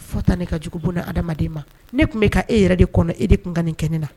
Fɔ tan de ka jugu bun adamaden ma. Ne tun bɛka e yɛrɛ de kɔnɔ fɔ e de tun ka nin kɛnɛ ne na.